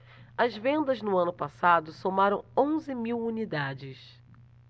as vendas no ano passado somaram onze mil unidades